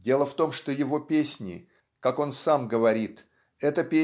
Дело в том, что его песни, как он сам говорит, это